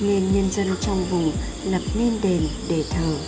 nên nhân dân trong vùng lập nên đền để thờ